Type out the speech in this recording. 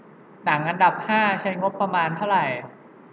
หนังอันดับห้าใช้งบประมาณเท่าไหร่